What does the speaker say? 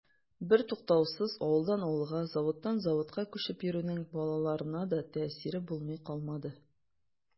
Бертуктаусыз авылдан авылга, заводтан заводка күчеп йөрүнең балаларына да тәэсире булмый калмады.